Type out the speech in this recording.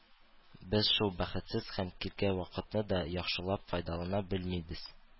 Без шул бәхетсез һәм килгән вакытны да яхшылап файдалана белмибез.